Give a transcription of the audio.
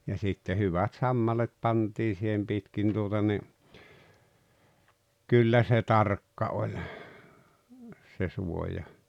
ja sitten hyvät sammalet pantiin siihen pitkin tuota niin kyllä se tarkka oli se suoja